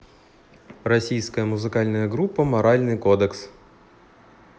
российская музыкальная группа моральный кодекс